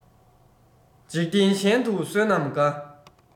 འཇིག རྟེན གཞན དུ བསོད ནམས དགའ